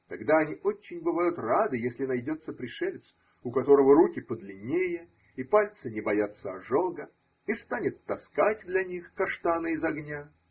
Тогда они очень бывают рады, если найдется пришелец, у которого руки подлиннее и пальцы не боятся ожога, – и станет таскать для них каштаны из огня.